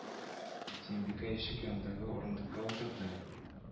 Сөембикә ишек янындагы урындыкка утырды